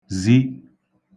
zi